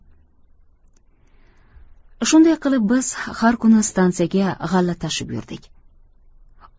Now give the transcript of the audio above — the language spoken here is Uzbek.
shunday qilib biz har kuni stansiyaga g'alla tashib yurdik